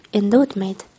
endi o'tmaydi